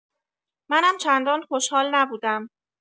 منم چندان خوشحال نبودم.